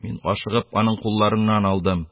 Мин, ашыгып, аның кулларыннан алдым: -